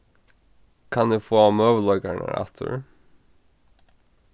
kann eg fáa møguleikarnar aftur